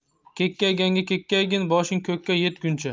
kekkayganga kekkaygin boshing ko'kka yetguncha